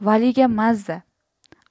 valiga maza